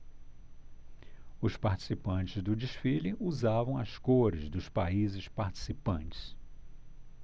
os participantes do desfile usavam as cores dos países participantes